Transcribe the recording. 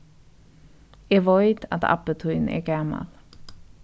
eg veit at abbi tín er gamal